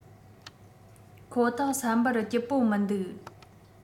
ཁོ ཐག བསམ པར སྐྱིད པོ མི འདུག